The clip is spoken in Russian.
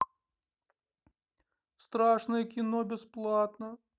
страшное кино бесплатно